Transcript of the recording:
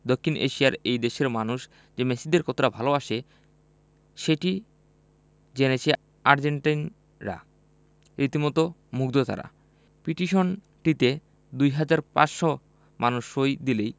দক্ষিণ এশিয়ার এই দেশের মানুষ যে মেসিদের কতটা ভালোবাসে সেটি জেনেছেন আর্জেন্টাইনরা রীতিমতো মুগ্ধ তাঁরা পিটিশনটিতে ২ হাজার ৫০০ মানুষ সই দিলেই